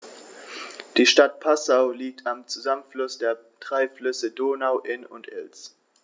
Die Stadt Passau liegt am Zusammenfluss der drei Flüsse Donau, Inn und Ilz.